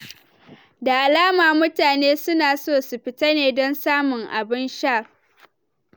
Da alama mutane su na so su fita ne don samun abun sha.